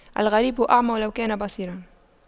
الغريب أعمى ولو كان بصيراً